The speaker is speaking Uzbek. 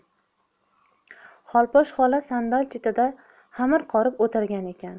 xolposh xola sandal chetida xamir qorib o'tirgan ekan